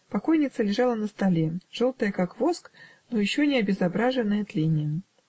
Покойница лежала на столе, желтая как воск, но еще не обезображенная тлением.